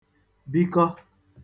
bikọ